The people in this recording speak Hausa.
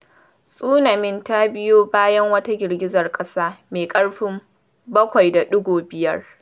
Tsunamin ta biyo bayan wata girgizar ƙasa mai ƙarfin 7 da ɗigo 5.